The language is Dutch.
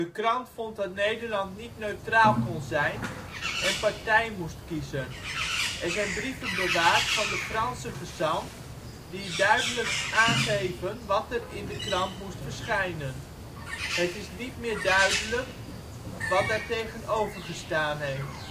krant vond dat Nederland niet neutraal kon zijn, en partij moest kiezen. Er zijn brieven bewaard van de Franse gezant die duidelijk aangeven wat er in de krant moet verschijnen. Het is niet meer duidelijk wat daar tegenover gestaan heeft